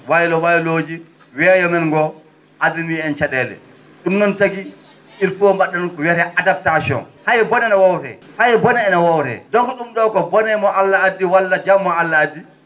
waylo waylo ji weeyo men ngo addanii en ca?eele ?um noon tagi il faut mba?en ko wiyetee adaptation hay bone no woowree hay bone ene woowree donc ?um ?oo ko bone mbo Allah addi walla jam mbo Allah addi